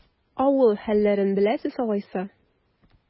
Авыл хәлләрен беләсез алайса?